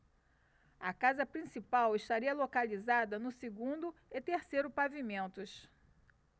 a casa principal estaria localizada no segundo e terceiro pavimentos